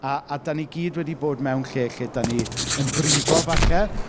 A a dan ni gyd wedi bod mewn lle lle dan ni yn brifo falle?